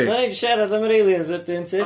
Fydda i 'di siarad am yr aliens wedyn tyd.